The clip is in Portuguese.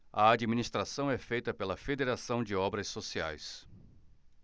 a administração é feita pela fos federação de obras sociais